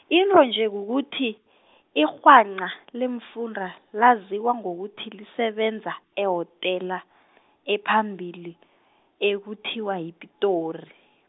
into nje kukuthi, irhwanqa, leemfunda, laziwa ngokuthi lisebenza, ehotela, ephambili, ekuthiwa, yiPitori.